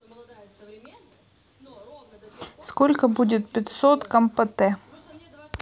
сколько будет пятьсот компоте